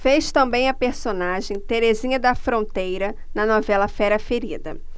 fez também a personagem terezinha da fronteira na novela fera ferida